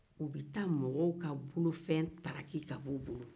u taa mɔgɔw ka bolofɛn ntaraki u bolo